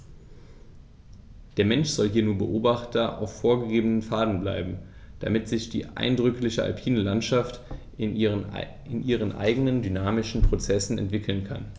Der Mensch soll hier nur Beobachter auf vorgegebenen Pfaden bleiben, damit sich die eindrückliche alpine Landschaft in ihren eigenen dynamischen Prozessen entwickeln kann.